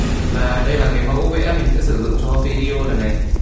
và đây là mẫu vẽ mình sẽ sử dụng cho video lần này